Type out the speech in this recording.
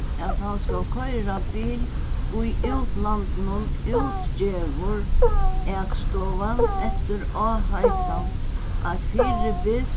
at hann skal koyra bil í útlandinum útgevur akstovan eftir áheitan eitt fyribils